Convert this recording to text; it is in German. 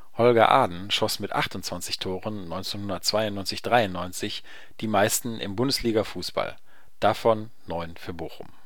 Holger Aden schoss 1992 / 93 die meisten Tore (28) im Bundesligafußball, davon 9 für Bochum